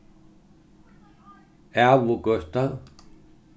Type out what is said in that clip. æðugøta